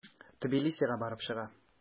Тбилисига барып чыга.